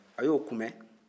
a y'o komɛn